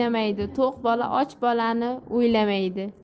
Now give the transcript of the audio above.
o'ynamaydi to'q bola och bolani o'ylamaydi